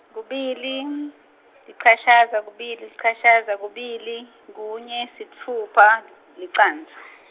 kubili icashata kubili licashata kubili kunye sitfupha licandza.